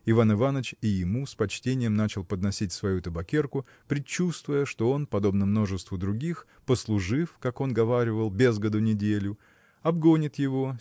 Иван Иваныч и ему с почтением начал подносить свою табакерку предчувствуя что он подобно множеству других послужив как он говаривал без году неделю обгонит его